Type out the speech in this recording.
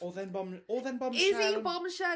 Oedd e'n bom- oedd e'n bombshell?... Is he a bombshell?